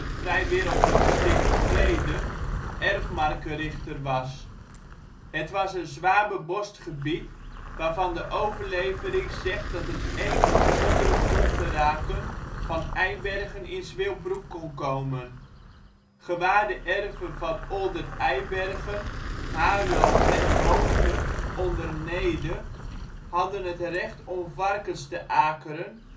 vrijwereldlijk Stift Vreden erfmarkerichter was. Het was een zwaar bebost gebied, waarvan de overlevering zegt dat een eekhoorn zonder de grond te raken van Eibergen in Zwilbroek kon komen. Gewaarde erven van Olden Eibergen, Haarlo en Hoonte onder Neede hadden het recht om varkens te akeren